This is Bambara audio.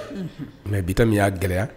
Nka bitɔn min y'a gɛlɛya